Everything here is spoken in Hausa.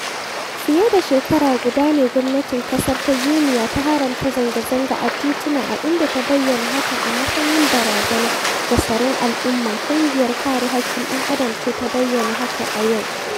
Fiye da shekara guda ne gwamnatin ƙasar ta Guinea ta haramta zanga-zanga a titina, a inda ta bayyana hakan a matsayin barazana ga tsaron al'umma, ƙungiyar Kare Haƙƙin ɗan Adam ce ta bayyana haka a yau,